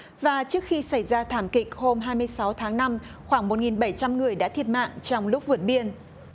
và trước khi xảy ra thảm kịch hôm hai mươi sáu tháng năm khoảng một nghìn bảy trăm người đã thiệt mạng trong lúc vượt biên